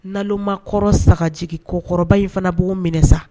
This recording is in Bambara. Naloma kɔrɔ sagajigi kɔrɔba in fana b'o minɛ sa